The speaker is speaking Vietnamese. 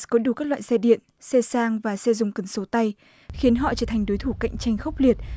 có đủ các loại xe điện xe sang và xe dùng cần số tay khiến họ trở thành đối thủ cạnh tranh khốc liệt